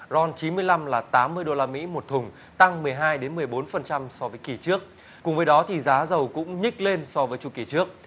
ron chín mươi lăm là tám mươi đô la mỹ một thùng tăng mười hai đến mười bốn phần trăm so với kỳ trước cùng với đó thì giá dầu cũng nhích lên so với chu kỳ trước